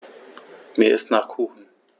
Mir ist nach Kuchen.